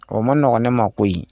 O ma nɔgɔn ne ma koyi.